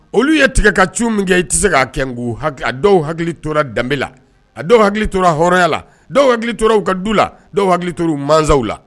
Olu ye tigɛ ka cogo min kɛ i tɛ se k'a kɛu a dɔw hakili tora danbebe la a dɔw hakili tora hya la dɔw hakili tora ka du la dɔw hakili tora mɔnw la